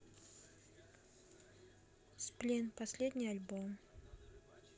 сплин последний альбом